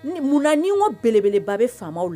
Ni munna ni n ko belebeleba bɛ famaw la